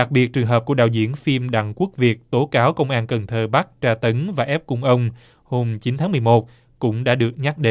đặc biệt trường hợp của đạo diễn phim đặng quốc việt tố cáo công an cần thơ bắt tra tấn và ép cùng ông hôm chín tháng mười một cũng đã được nhắc đến